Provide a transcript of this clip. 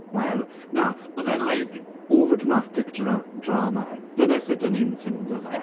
Wel, na, oedd e'n like, overdramatic dr- drama. Dyna sut o'n i'n ffeindio fe.